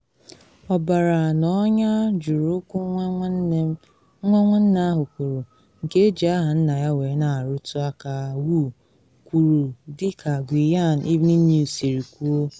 “Ọbara na ọnya juru ụkwụ nwa nwanne m,” nwa nwanne ahụ kwuru, nke eji aha nna ya wee na arụtụ aka “Wu,” kwuru, dị ka Guiyan Evening News siri kwuo.